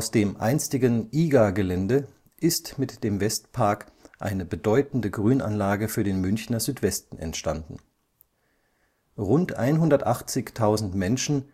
dem einstigen IGA-Gelände ist mit dem Westpark eine bedeutende Grünanlage für den Münchner Südwesten entstanden. Rund 180.000 Menschen